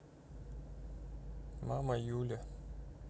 мама юля